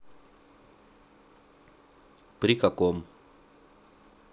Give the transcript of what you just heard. при каком